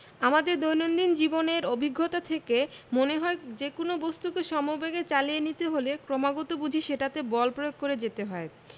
আমাদের দৈনন্দিন জীবনের অভিজ্ঞতা থেকে মনে হয় যেকোনো কিছুকে সমবেগে চালিয়ে নিতে হলে ক্রমাগত বুঝি সেটাতে বল প্রয়োগ করে যেতে হয়